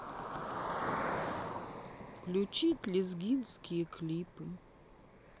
включить лезгинские клипы